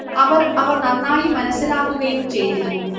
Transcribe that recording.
അവർ അവ നന്നായി മനസ്സിലാക്കുകയും ചെയ്തിരുന്നു